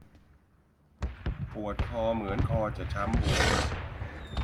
ปวดคอเหมือนคอจะช้ำบวม